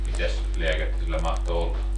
mitäs lääkettä sillä mahtoi olla